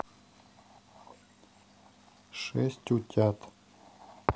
шесть утят